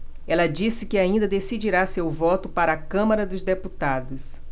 ela disse que ainda decidirá seu voto para a câmara dos deputados